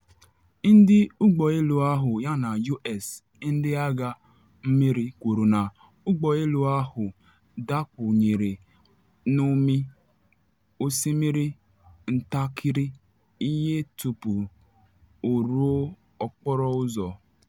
Ndị ụgbọ elu ahụ yana U.S. Ndị agha mmiri kwuru na ụgbọ elu ahụ dakpunyere n’ọmị osimiri ntakịrị ihe tupu o ruo okporo ụzọ.